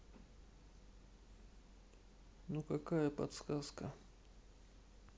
ну какая подсказка